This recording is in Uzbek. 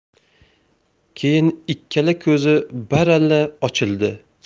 keyin ikkala ko'zi baralla ochildi